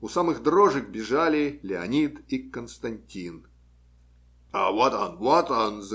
У самых дрожек бежали Леонид и Константин. - Вот он, вот он!